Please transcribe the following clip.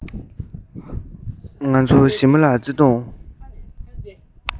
ང ཚོ ཞི མི ལ བརྩེ དུང